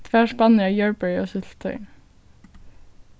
tvær spannir av jarðberjasúltutoyi